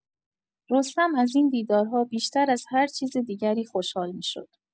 رستم از این دیدارها بیشتر از هر چیز دیگری خوشحال می‌شد.